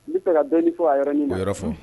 N bɛ fɛ ka bɛn ni fɔ a yɛrɛ ni yɔrɔ fɔ